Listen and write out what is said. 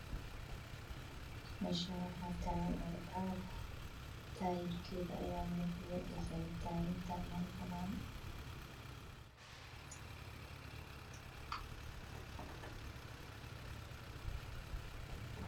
Meshan waxa tagan cagaf cagaf waxayna taganthy mel banan